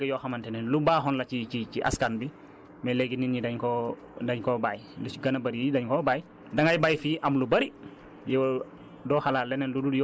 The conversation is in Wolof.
donc tamit jiwu bi toujours noonu la ñu ngi bàyyi ay pratique yu yàgg yoo xamante ne lu baaxoon la ci ci ci askan bi mais léegi nit ñi dañ koo dañ koo bàyyi lu si gën a bëri yi dañ koo bàyyi